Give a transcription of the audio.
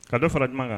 Ka dɔ fara jumɛn kan